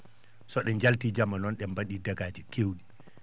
so ?e njaltii jamma noon ?e mba?i dégats keew?i